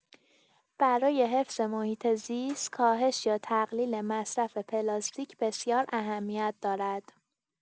برای حفظ محیط‌زیست، کاهش یا تقلیل مصرف پلاستیک بسیار اهمیت دارد.